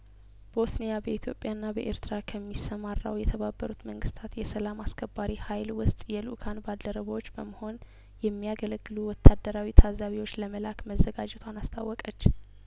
ቦስኒያ በኢትዮጵያ ና በኤርትራ ከሚሰማራው የተባበሩት መንግስታት የሰላም አስከባሪ ሀይል ውስጥ የልኡካን ባልደረቦች በመሆን የሚያገለግሉ ወታደራዊ ታዛቢዎች ለመላክ መዘጋጀቷን አስታወቀች